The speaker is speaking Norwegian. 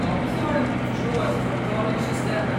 Og ikke har de nokka forståelse for betalingssystemet.